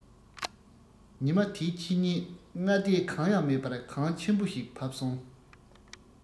ཉི མ དེའི ཕྱི ཉིན སྔ ལྟས གང ཡང མེད པར གངས ཆེན པོ ཞིག བབས སོང